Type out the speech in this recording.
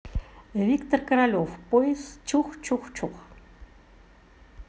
виктор королев поезд чух чух чух